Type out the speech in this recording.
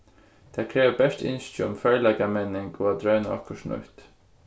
tað krevur bert ynski um førleikamenning og at royna okkurt nýtt